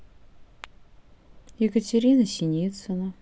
екатерина синицына